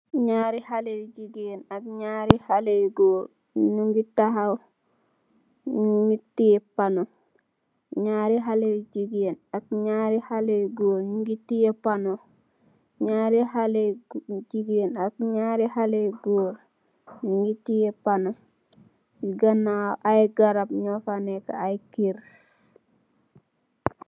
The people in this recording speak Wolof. Ñaari xalé yu jigéen ak Niarri xale yu goor ñu ngi taxaw, tiye pono. Ñaari xalé yu jigéen ak Ñaari xale yi goor nu ngi taxaw, tiye pono. Ñaari xalé yu jigéen ak ñu ngi taxaw, tiye Ganaaw, ay garab ñu fa neekë ak kër.